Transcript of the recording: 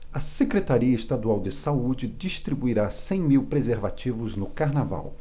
a secretaria estadual de saúde distribuirá cem mil preservativos no carnaval